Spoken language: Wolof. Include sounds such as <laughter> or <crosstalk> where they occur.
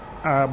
<hesitation> <hesitation>